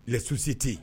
Les sociétés